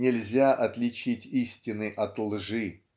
нельзя отличить истины от лжи.